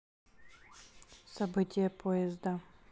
событие поезда